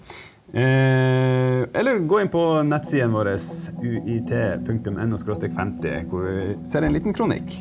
eller gå inn på nettsidene våre UiT punktum N O skråstrek 50 hvor vi ser en liten kronikk.